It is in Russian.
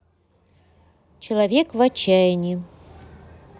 человек в отчаянии